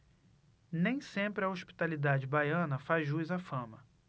nem sempre a hospitalidade baiana faz jus à fama